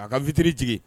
A ka vitre jigin!